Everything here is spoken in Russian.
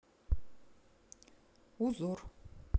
узор